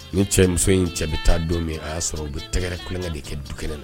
Ni cɛmuso in cɛ bɛ taa don min a y'a sɔrɔ u bɛ tɛgɛɛrɛ kukan de kɛ du kɛnɛ na